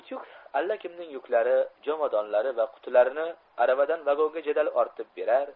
utyug allakimning yuklari jomadonlari va qutilarini aravadan vagonga jadal ortib berar